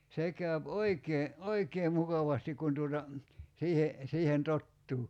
se käy oikein oikein mukavasti kun tuota siihen siihen tottuu